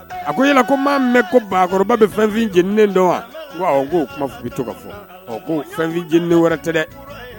A ko yala ko maa mɛn ko bakɔrɔba bɛ fɛnfin jenien dɔn wa ko kuma bɛ to ka fɔ ɔ ko fɛnfineniininini wɛrɛ tɛ dɛ